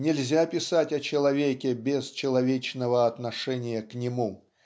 нельзя писать о человеке без человечного отношения к нему